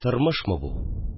Тормышмы бу